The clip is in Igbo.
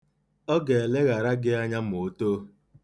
O ga-eleghara gị anya ma o too.